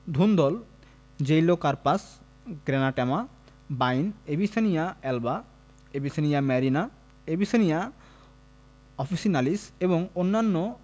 ধুন্দুল Xylocarpus granatum বাইন Avicennia alba Avicennia marina Avicennia officinalis এবং অন্যান্য